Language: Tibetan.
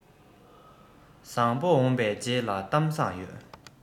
བཟང པོ འོངས པའི རྗེས ལ གཏམ བཟང ཡོད